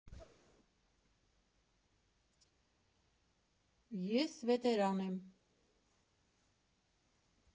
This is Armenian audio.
Ես վետերան եմ։